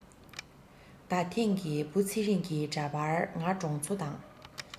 ད ཐེངས ཀྱི བུ ཚེ རིང གི འདྲ པར ང གྲོང ཚོ དང